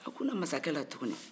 a kunna mansakɛ la tugunni